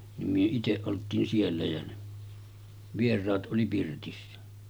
niin me itse oltiin siellä ja ne vieraat oli pirtissä